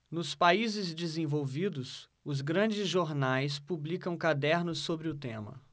nos países desenvolvidos os grandes jornais publicam cadernos sobre o tema